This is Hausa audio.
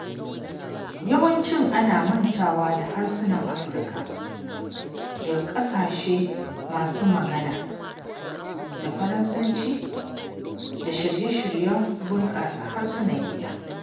Yawanci ana mantawa da harsunan Afirka daga ƙasashe masu magana da Faransanci a shirye-shiryen bunƙasa harsunan gida.